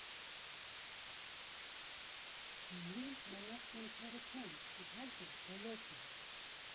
Գյումրին մենակ շենքերը չեն, իհարկե, բոլորս ենք։